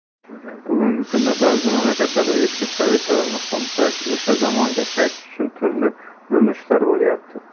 bugungi kunda ba'zi mamlakatlarda eski sovet davrini qo'msash o'sha zamonga qaytish uchun turli urinishlar bo'lyapti